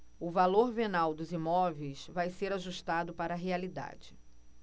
o valor venal dos imóveis vai ser ajustado para a realidade